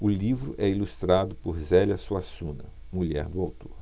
o livro é ilustrado por zélia suassuna mulher do autor